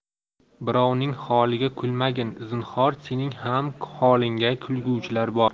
birovning holiga kulmagin zinhor sening ham holingga kulguvchilar bor